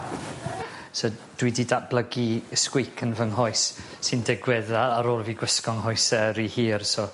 So dwi 'di datblygu sgwîc yn fy nghoes sy'n digwydd a- ar ôl i fi gwisgo 'nghoese r'y hir so